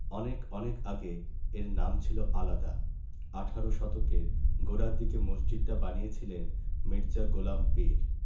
অনেক অনেক আগে এর নাম ছিল আলাদা আঠারো শতকের গোড়ার দিকে মসজিদটা বানিয়েছিলেন মির্জা গোলাম পীর